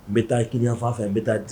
N bɛ taa kɛɲafan fɛ n bɛ taa